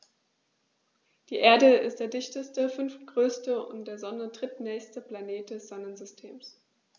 Die Erde ist der dichteste, fünftgrößte und der Sonne drittnächste Planet des Sonnensystems.